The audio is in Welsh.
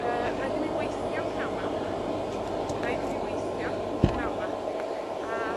Yy, rhaid i mi weithio pnawn 'ma. Rhaid i mi weithio pnawn 'ma. A,